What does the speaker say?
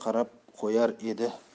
qarab qo'yar edi